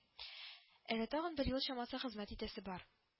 Әле тагын бер ел чамасы хезмәт итәсе бар